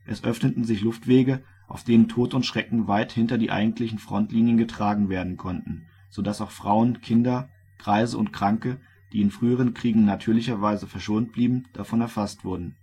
Es öffneten sich Luftwege, auf denen Tod und Schrecken weit hinter die eigentlichen Frontlinien getragen werden konnten, so dass auch Frauen, Kinder, Greise und Kranke, die in früheren Kriegen natürlicherweise verschont blieben, davon erfasst wurden